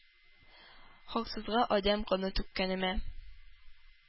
Хаксызга адәм каны түккәнемә!